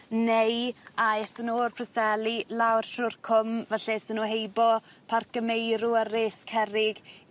neu a eson nw o'r Preseli lawr trw'r cwm falle eson nw heibo Parc y Meirw a res cerrig